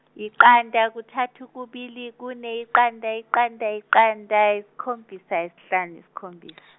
iqanda kuthatu kubili kune iqanda iqanda iqanda iskhombisa isihlanu iskhombisa.